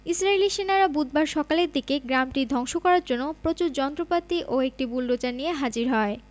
ইসরাইলী সেনারা বুধবার সকালের দিকে গ্রামটি ধ্বংস করার জন্য প্রচুর যন্ত্রপাতি ও একটি বুলোডোজার নিয়ে হাজির হয়